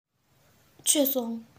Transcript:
མཆོད སོང